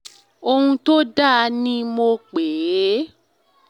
Ohun tó dáa ni mò pé.”